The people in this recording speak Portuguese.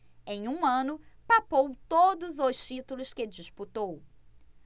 em um ano papou todos os títulos que disputou